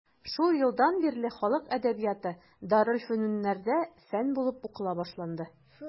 Шул елдан бирле халык әдәбияты дарелфөнүннәрдә фән булып укыла башланды.